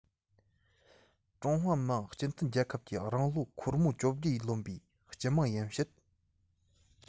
ཀྲུང ཧྭ མི དམངས སྤྱི མཐུན རྒྱལ ཁབ ཀྱི རང ལོ འཁོར མོ བཅོ བརྒྱད ལོན པའི སྤྱི དམངས ཡིན ཕྱིན